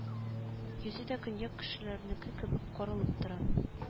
Йөзе дә көньяк кешеләренеке кебек каралып тора